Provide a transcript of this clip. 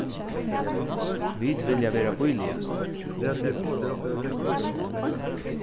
vit vilja vera bíligast